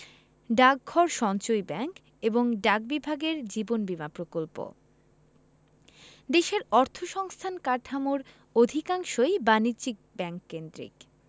ডাকঘর সঞ্চয়ী ব্যাংক এবং ডাক বিভাগের জীবন বীমা প্রকল্প দেশের অর্থসংস্থান কাঠামোর অধিকাংশই বাণিজ্যিক ব্যাংক কেন্দ্রিক